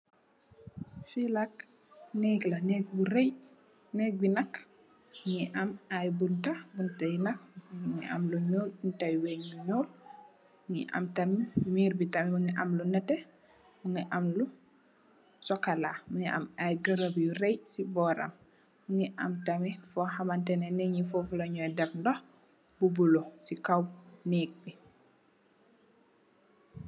Fenak neklak nek bu rey la nekbi nak mugei ham ayi butah" buntahye nak mugi ham lu null.